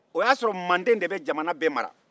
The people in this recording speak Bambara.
o y'a sɔrɔ mande de bɛ jamana bɛɛ mara